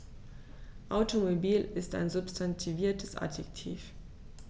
Automobil ist ein substantiviertes Adjektiv.